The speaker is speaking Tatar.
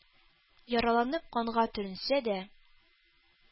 Яраланып канга төренсә дә,